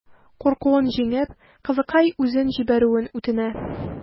Куркуын җиңеп, кызыкай үзен җибәрүен үтенә.